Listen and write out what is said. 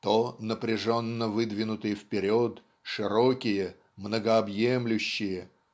то напряженно выдвинутые вперед широкие многообъемлющие